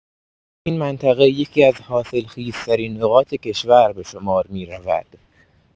این منطقه یکی‌از حاصلخیزترین نقاط کشور به شمار می‌رود.